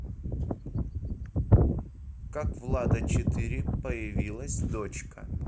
как влада четыре появилась дочка